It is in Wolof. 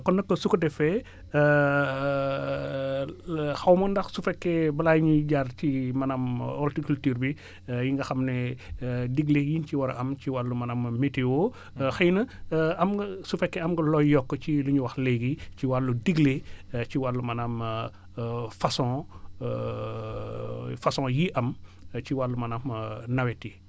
kon nag su ko defee xaw ma ndax su fekkee balaa ñuy jaar ci maanaam orticulture bi yi nga xam ne digle yi ñu ci war a am ci wàllu maanaam météo xëy na am nga su fekkee am nga looy yokk ci li ñu wax léegi ci wàllu digle ci wàllu maanaam façon façon yi am ci wàllu maanaam nawet yi